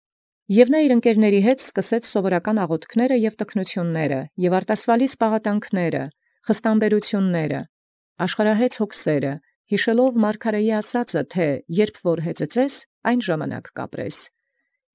Կորյուն Եւ նորա իւրովք հաւասարաւք զսովորականն առաջի եդեալ զաղաւթս և զտքնութիւնս և զպաղատանս արտասուալից, զխստամբերութիւնս, զհոգս զաշխարհահեծս, յիշելով զասացեալսն մարգարէին, եթէ՝ «Յորժամ հեծեծեսցես, յայնժամ կեցցեսե։